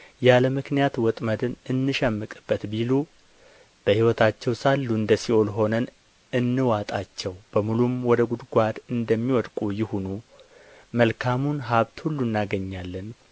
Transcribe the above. ያለ ምክንያት ወጥመድን እንሸምቅበት ቢሉ በሕይወታቸው ሳሉ እንደ ሲኦል ሆነን እንዋጣቸው በሙሉም ወደ ጕድጓድ እንደሚወድቁ ይሁኑ መልካሙን ሀብት ሁሉ እናገኛለን